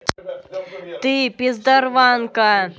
ты пиздарванка